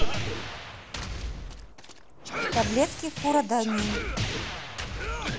таблетки фурадонин